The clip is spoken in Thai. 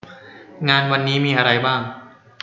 งานวันนี้มีอะไรบ้าง